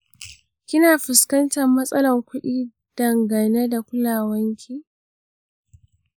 kina fuskantan matasalan kuɗi dangane da kulawanki?